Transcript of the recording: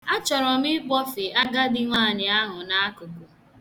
Achọrọ m ịkpọfe agadi nwaanyị ahụ n'akụkụ.